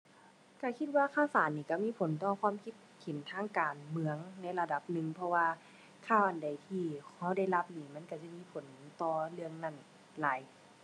ก็คิดว่าข่าวสารนี่ก็มีผลต่อความคิดเห็นทางการเมืองในระดับหนึ่ง เพราะว่าข่าวอันใดที่ก็ได้รับนี่มันก็สิมีผลต่อเรื่องนั้นหลาย